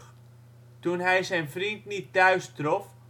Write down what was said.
toen hij zijn vriend niet thuis trof